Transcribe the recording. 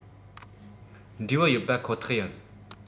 འབྲས བུ ཡོད པ ཁོ ཐག ཡིན